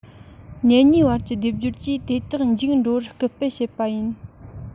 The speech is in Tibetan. གཉེན ཉེའི བར གྱི སྡེབ སྦྱོར གྱིས དེ དག འཇིག འགྲོ བར སྐུལ སྤེལ བྱེད པ ཡིན